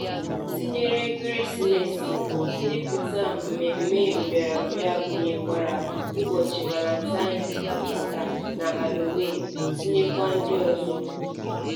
Tinyere ekeresimesi, ndepụta mmemme mbịarambịa gụnyekwara ụbọchị Valentine, Easter na Halloween, tinyekwara ndị ọzọ.